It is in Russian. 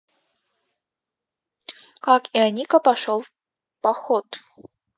как ионика пошел в поход